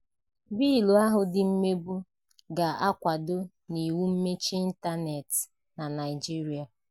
Bịịlụ ahụ dị mmegbu ga-akwado n'iwu mmechi ịntaneetị na Naịjirịa